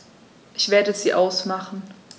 Ich werde sie ausmachen.